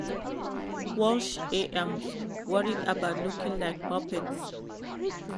Welsh AMs worried about 'looking like muppets'